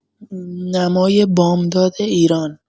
نمای بامداد ایران